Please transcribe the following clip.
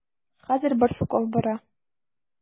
Хәзер Барсуков бара.